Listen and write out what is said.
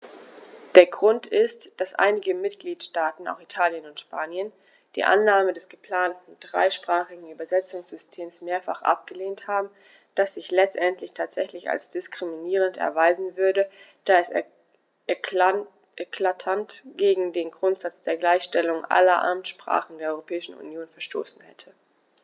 Der Grund ist, dass einige Mitgliedstaaten - auch Italien und Spanien - die Annahme des geplanten dreisprachigen Übersetzungssystems mehrfach abgelehnt haben, das sich letztendlich tatsächlich als diskriminierend erweisen würde, da es eklatant gegen den Grundsatz der Gleichstellung aller Amtssprachen der Europäischen Union verstoßen hätte.